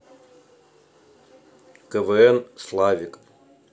квн славик